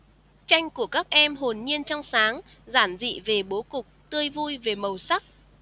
tranh của các em hồn nhiên trong sáng giản dị về bố cục tươi vui về mầu sắc